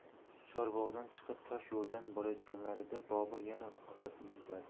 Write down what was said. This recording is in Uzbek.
chorbog'dan chiqib tosh yo'ldan borayotganlarida bobur yana otasini esladi